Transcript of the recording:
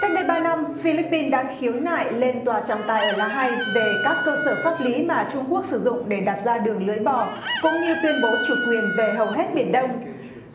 cách đây ba năm phi líp pin đã khiếu nại lên tòa trọng tài ở la hay về các cơ sở pháp lý mà trung quốc sử dụng để đặt ra đường lưỡi bò cũng như tuyên bố chủ quyền về hầu hết biển đông